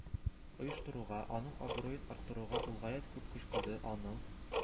Оештыруга, аның абруен арттыруга ул гаять күп көч куйды, аның